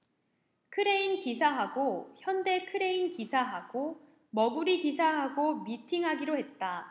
크레인 기사하고 현대 크레인 기사하고 머구리 기사하고 미팅하기로 했다